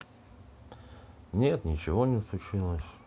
нет ничего не случилось